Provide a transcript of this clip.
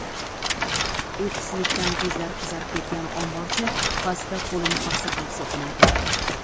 uyqusizlikdan ko'zlari qizarib ketgan omborchi pastda qo'lini paxsa qilib so'kinardi